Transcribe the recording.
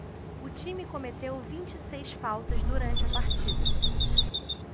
o time cometeu vinte e seis faltas durante a partida